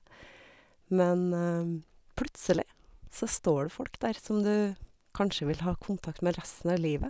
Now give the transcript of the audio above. Men plutselig så står det folk der som du kanskje vil ha kontakt med resten av livet.